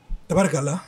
Tabari la